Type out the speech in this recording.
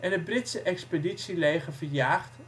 het Britse expeditieleger verjaagd